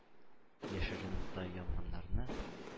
Яшрен утта янганнарны.